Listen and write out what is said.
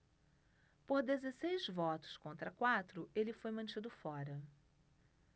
por dezesseis votos contra quatro ele foi mantido fora